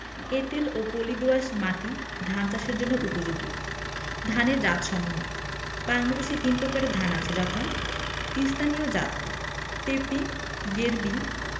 এঁটেল ও পলি দোআঁশ মাটি ধান চাষের জন্য উপযোগী ধানের জাতসমূহঃ বাংলাদেশে তিন প্রকারের ধান আছে যথাঃ ক স্থানীয় জাতঃ টেপি গিরবি